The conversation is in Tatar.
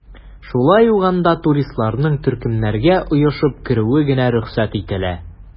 Шулай ук анда туристларның төркемнәргә оешып керүе генә рөхсәт ителә.